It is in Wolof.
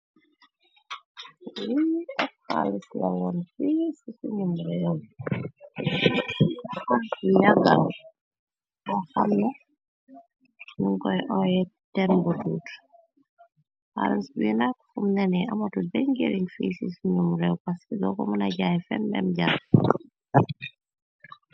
Lii xaalis la woon fi ci sunumu réew, bu yàgga la bu xam na nyung koy oye ten butuut. Xaalis bi nak leegi, amatut ben nyering fi si sunyumu réew pas ki dooko mëna jaay fe nden mu jaar.